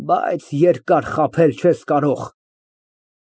Բայց երկար խաբել չես կարող։